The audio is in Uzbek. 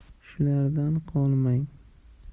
shulardan qolmang